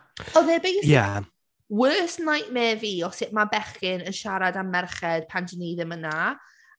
Oedd e basically... Ie... worst nightmare fi o sut mae bechgyn yn siarad am merched pan dan ni ddim yna.